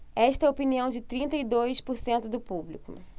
esta é a opinião de trinta e dois por cento do público